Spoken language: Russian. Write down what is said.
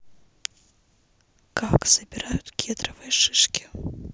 как собирают кедровые шишки